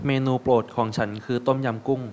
เมนูโปรดของฉันคือต้มยำกุ้ง